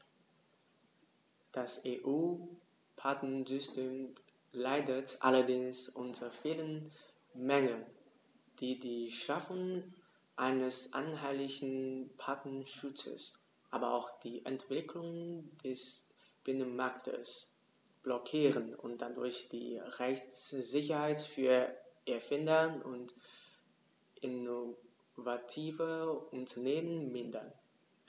Das EU-Patentsystem leidet allerdings unter vielen Mängeln, die die Schaffung eines einheitlichen Patentschutzes, aber auch die Entwicklung des Binnenmarktes blockieren und dadurch die Rechtssicherheit für Erfinder und innovative Unternehmen mindern.